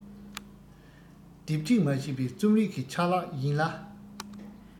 སྡེབ བསྒྲིགས མ བྱས པའི རྩོམ རིག གི ཆ ལག ཡིན ལ